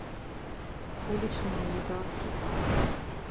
уличная еда в китае